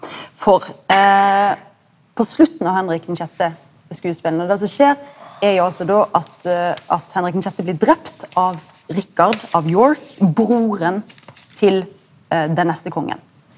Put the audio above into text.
for på slutten av Henrik den sjette skodespela det som skjer er jo altså da at at Henrik den sjette blir drepen av Rikard av York broren til den neste kongen.